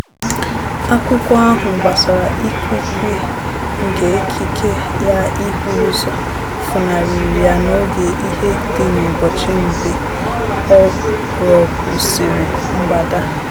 Akụkọ ahụ gbasara ikwiikwii nke ikike ya ịhụ ụzọ funarịrị ya n'oge ìhè dị n'ụbọchị mgbe ọ ghọgbusịrị mgbada.